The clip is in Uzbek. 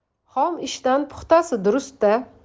xom ishdan puxtasi durust da